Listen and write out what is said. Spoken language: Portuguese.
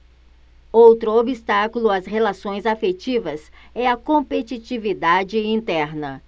outro obstáculo às relações afetivas é a competitividade interna